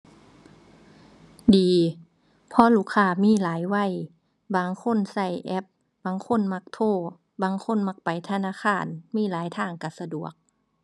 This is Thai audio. ดี เพราะลูกค้ามีหลายวัย บางคนใช้แอป บางคนมักโทร บางคนมักไปธนาคาร มีหลายทางใช้สะดวก